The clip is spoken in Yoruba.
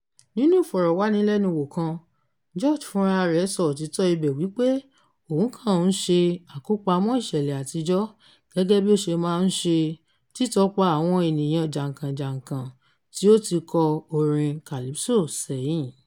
Nínú ìfọ̀rọ̀wánilẹ́nuwò kan, George fúnra rẹ̀ sọ òtítọ́ ibẹ̀ wípé òun kàn ń "ṣe àkópamọ́ ìṣẹ̀lẹ̀ àtijọ́ " gẹ́gẹ́ "bí ó ṣe máa ń ṣe", títọpa àwọn ènìyàn jàǹkàn-jàǹkàn tí ó ti kọ orin calypso sẹ́yìn.